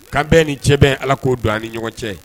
Kan bɛɛ ni cɛ bɛ ala k'o don a ni ɲɔgɔn cɛ